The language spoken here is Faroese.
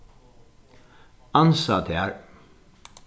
ansa tær